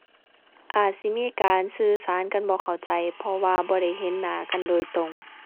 อาจสิมีการสื่อสารกันบ่เข้าใจ เพราะว่าบ่ได้เห็นหน้ากันโดยตรง